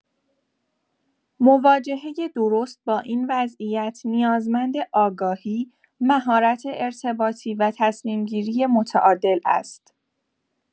مواجهه درست با این وضعیت، نیازمند آگاهی، مهارت ارتباطی و تصمیم‌گیری متعادل است.